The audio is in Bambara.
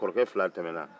kɔrɔkɛ fila tɛmɛna